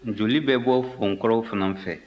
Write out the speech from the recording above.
joli bɛ bɔ fɔnkɔrɔw fana fɛ